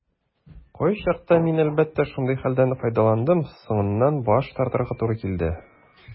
Кайчакта мин, әлбәттә, шундый хәлдән файдаландым - соңыннан баш тартырга туры килде.